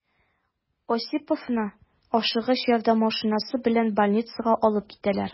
Осиповны «Ашыгыч ярдәм» машинасы белән больницага алып китәләр.